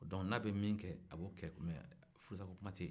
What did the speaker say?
donku n'a bɛ min kɛ a k'o kɛ mɛ furusa ko kuma tɛ yen